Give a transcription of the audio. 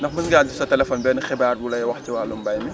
ndax mos ngaa gis sa téléphone benn message bu lay wax ci wàllu mbay mi